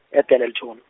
e- Dennilton.